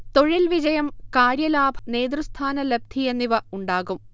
തൊഴിൽ വിജയം, കാര്യലാഭം, നേതൃസ്ഥാനലബ്ധി എന്നിവ ഉണ്ടാകും